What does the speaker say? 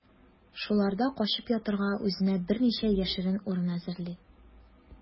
Шуларда качып ятарга үзенә берничә яшерен урын әзерли.